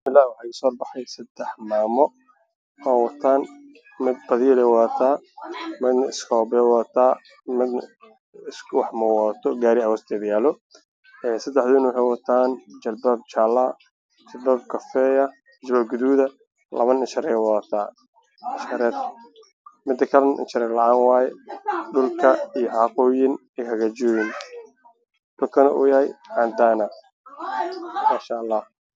Halkaan waxaa ka muuqdo sadex islaan mid waxay wadataa gaari gacan waxayna qabtaa xijaab jaalo ah midna waxa wadataa iskoobo xijaab qaxwi iyo dirac cadays mida kale waxay wadataa iskoobo iyo xijaab guduudna way xiran tahay